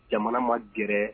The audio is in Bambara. Jamana ma gɛrɛ